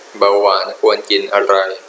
เบาหวานควรกินอะไร